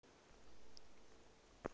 сама с ума схожу